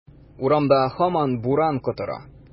Урамда һаман буран котыра.